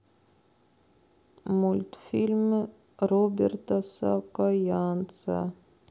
мультфильмы роберта саакаянца